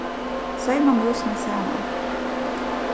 seyma músina saman